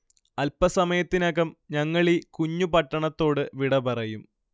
അൽപസമയത്തിനകം ഞങ്ങളീ കുഞ്ഞു പട്ടണത്തോടു വിട പറയും